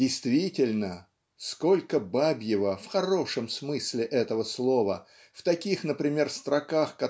Действительно, сколько бабьего, в хорошем смысле этого слова, в таких например строках